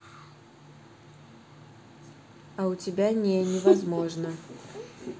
а у тебя не невозможно